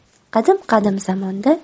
qadim qadim zamonda